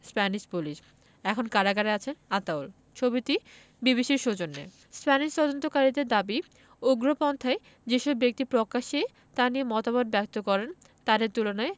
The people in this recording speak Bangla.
স্প্যানিশ পুলিশ এখন কারাগারে আছেন আতাউল ছবিটি বিবিসির সৌজন্যে স্প্যানিশ তদন্তকারীদের দাবি উগ্রপন্থায় যেসব ব্যক্তি প্রকাশ্যে তা নিয়ে মতামত ব্যক্ত করেন তাদের তুলনায়